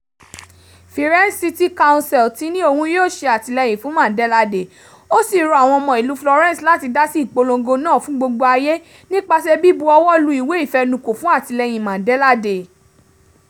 Firenze City Council ti ni òun yóò ṣe àtìleyìn fún Mandela Day ó sì rọ àwọn ọmọ ìlú Florence láti dá sí ìpolongo náà fún gbogbo ayé nípasẹ̀ bíbu ọwọ́ lu ìwé ìfenukò fún atileyìn Mandela Day.